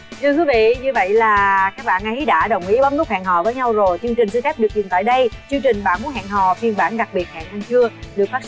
thưa quý vị như vậy là các bạn ấy đã đồng ý bấm nút hẹn hò với nhau rồi chương trình xin phép được dừng tại đây chương trình bạn muốn hẹn hò phiên bản đặc biệt hẹn ăn trưa được phát sóng